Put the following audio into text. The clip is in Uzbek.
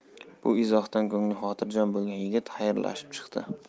bu izohdan ko'ngli xotirjam bo'lgan yigit xayrlashib chiqdi